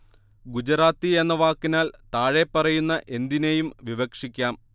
ഗുജറാത്തി എന്ന വാക്കിനാൽ താഴെപ്പറയുന്ന എന്തിനേയും വിവക്ഷിക്കാം